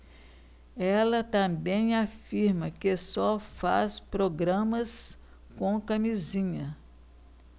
ela também afirma que só faz programas com camisinha